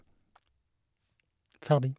Ferdig.